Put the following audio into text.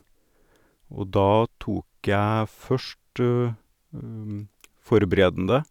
Og da tok jeg først forberedende.